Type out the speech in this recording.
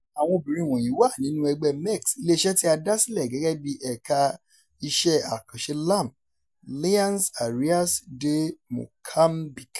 Àwọn obìnrin wọ̀nyí wà nínú ẹgbẹ́ MEX, ilé-iṣẹ́ tí a dá sílẹ̀ gẹ́gẹ́ bíi Ẹ̀ka Iṣẹ́ Àkànṣe LAM — Linhas Aéreas de Moçambique.